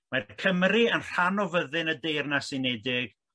Mae'r Cymry yn rhan o fyddin y Deyrnas Unedig